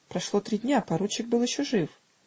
Прошло три дня, поручик был еще жив.